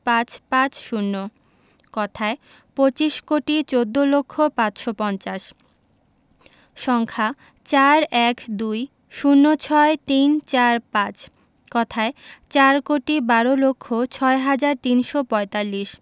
৫৫০ কথায়ঃ পঁচিশ কোটি চৌদ্দ লক্ষ পাঁচশো পঞ্চাশ সংখ্যাঃ ৪ ১২ ০৬ ৩৪৫ কথায়ঃ চার কোটি বার লক্ষ ছয় হাজার তিনশো পঁয়তাল্লিশ